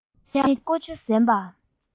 མི འཁྱར ཀུ ཅོ གཟན པ